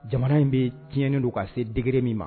Jamana in bɛ tiɲɛnen don ka se degegɛrɛ min ma